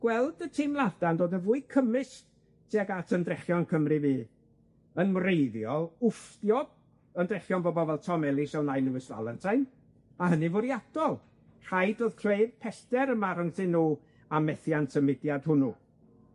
Gweld y teimlada'n dod yn fwy cymysg tuag at ymdrechion Cymru fu, yn wreiddiol, wfftio ymdrechion bobol fel Tom Ellis Lewis Valentine, a hynny'n fwriadol, rhaid o'dd creu'r pellter yma rhwngthyn nw a methiant y mudiad hwnnw.